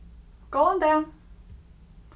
góðan dag